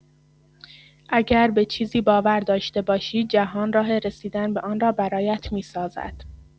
اگر به چیزی باور داشته باشی، جهان راه رسیدن به آن را برایت می‌سازد.